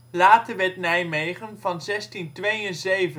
Later werd Nijmegen van 1672 tot 1674